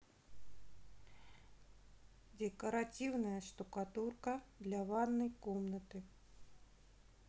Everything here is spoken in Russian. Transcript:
декоративная штукатурка для ванной комнаты